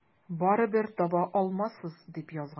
Барыбер таба алмассыз, дип язган.